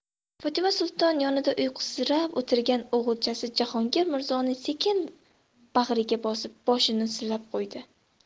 fotima sulton yonida uyqusirab o'tirgan o'g'ilchasi jahongir mirzoni sekin bag'riga bosib boshini silab qo'ydi